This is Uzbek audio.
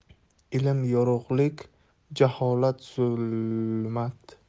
ilm yorug'lik jaholat zuimat